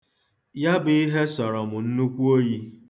Ya bụ ihe sọrọ m nnukwu oyi.